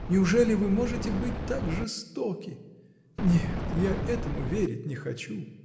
Неужели вы можете быть так жестоки? Нет, я этому верить не хочу.